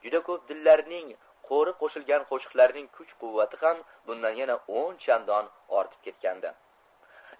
juda ko'p dillarning qo'ri qo'shilgan qo'shiqlarning kuch quvvati ham bundan yana o'n chandon ortib ketgandi